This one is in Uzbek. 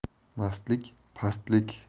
mastlik pastlik